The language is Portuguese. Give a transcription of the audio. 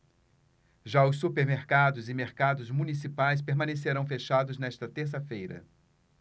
já os supermercados e mercados municipais permanecerão fechados nesta terça-feira